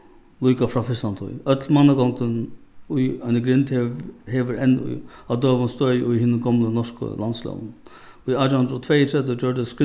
líka frá fyrstantíð øll mannagongdin í eini grind hevur enn í á døgum støði í hinum gomlu norsku landslógunum í átjan hundrað og tveyogtretivu